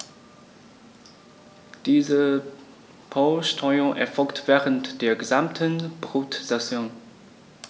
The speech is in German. Diese Polsterung erfolgt während der gesamten Brutsaison.